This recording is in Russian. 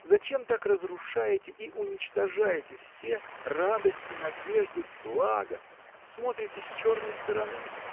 зачем так разрушаете и уничтожаете все радости надежды блага. смотрите с черной стороны?